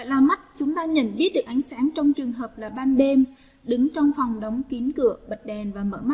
mắt chúng ta nhận biết được ánh sáng trong trường hợp là ban đêm đứng trong phòng đóng kín cửa bật đèn và mất